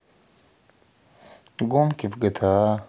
гонки в гта